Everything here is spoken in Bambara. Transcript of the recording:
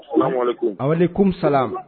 A kumisa